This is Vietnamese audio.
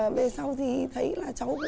về sau thì thấy là cháu cũng